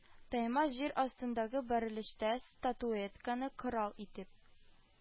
Таймас җир астындагы бәрелештә статуэтканы корал итеп